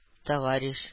Товарищ